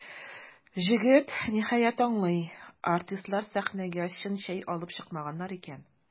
Җегет, ниһаять, аңлый: артистлар сәхнәгә чын чәй алып чыкмаганнар икән.